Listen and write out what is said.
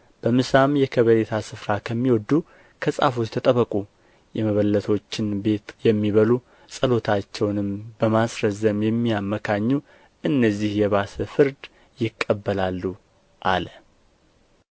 በምሳም የከበሬታ ስፍራ ከሚወዱ ከጻፎች ተጠበቁ የመበለቶችን ቤት የሚበሉ ጸሎታቸውንም በማስረዘም የሚያመካኙ እነዚህ የባሰ ፍርድ ይቀበላሉ አለ